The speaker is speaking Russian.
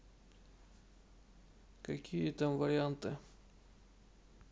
какие там варианты